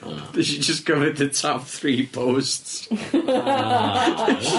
O! Nes i jyst cymryd y top three posts.